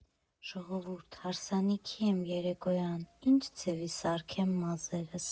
Ժողովուրդ, հարսանիքի եմ երեկոյան՝ ի՞նչ ձևի սարքեմ մազերս…